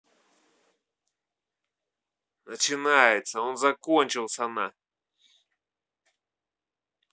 начинается он закончился на